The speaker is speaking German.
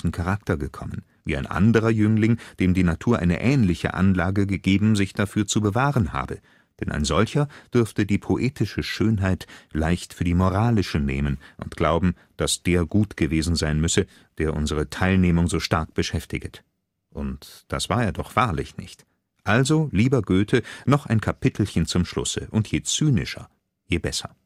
Charakter gekommen; wie ein andrer Jüngling, dem die Natur eine ähnliche Anlage gegeben, sich dafür zu bewahren habe. Denn ein solcher dürfte die poetische Schönheit leicht für die moralische nehmen und glauben, dass der gut gewesen seyn müsse, der unsre Theilnehming so stark beschäftiget. Und das war er doch wahrlich nicht. [...] Also, lieber Göthe, noch ein Kapitelchen zum Schlusse; und je cynischer, je besser